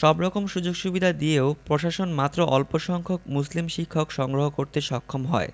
সব রকম সুযোগসুবিধা দিয়েও প্রশাসন মাত্র অল্পসংখ্যক মুসলিম শিক্ষক সংগ্রহ করতে সক্ষম হয়